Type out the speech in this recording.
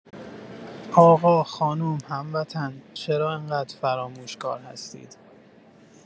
آقا خانم هموطن، چرا اینقدر فراموشکار هستید؟!